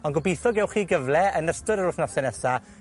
Ond gobitho gewch chi gyfle, yn ystod yr wythnose nesa